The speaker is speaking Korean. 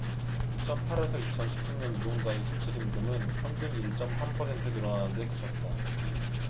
이천 팔 에서 이천 십 삼 년 노동자의 실질임금은 평균 일 쩜 삼 퍼센트 늘어나는 데 그쳤다